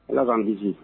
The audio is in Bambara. Ala b'an kisi